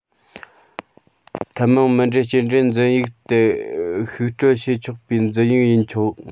ཐབས མང མུ འབྲེལ སྐྱེལ འདྲེན འཛིན ཡིག དེ བཤུག སྤྲོད བྱས ཆོག པའི འཛིན ཡིག ཡིན ཆོག